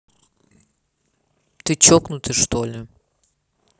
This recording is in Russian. ты чокнутый что ли